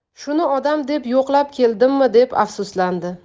shuni odam deb yo'qlab keldimmi deb afsuslandi